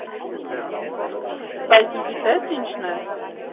Բայց դու գիտե՞ս, ի՞նչն ես…